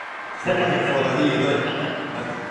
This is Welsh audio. ...ffwrdd â... . ...ffwrdd â hi ydoedd?